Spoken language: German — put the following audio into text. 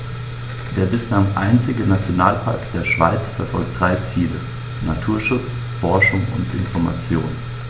Der bislang einzige Nationalpark der Schweiz verfolgt drei Ziele: Naturschutz, Forschung und Information.